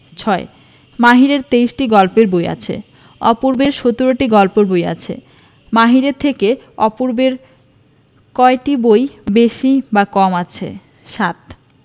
৬ মাহিরের ২৩টি গল্পের বই আছে অপূর্বের ১৭টি গল্পের বই আছে মাহিরের থেকে অপূর্বের কয়টি বই বেশি বা কম আছে ৭